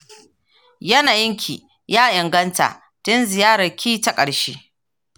yanayinki ya inganta tun ziyararki ta ƙarshe.